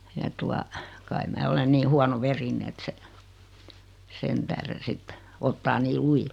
ja tuota kai minä olen niin huonoverinen että se sen tähden sitten ottaa niin lujille